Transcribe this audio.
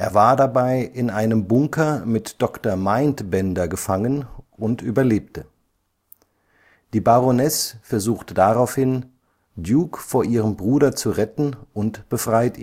war dabei in einem Bunker mit Doctor Mindbender gefangen und überlebte. Die Baroness versucht daraufhin, Duke vor ihrem Bruder zu retten und befreit